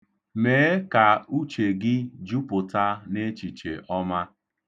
Mee ka uche gị jupụta n'echiche ọma.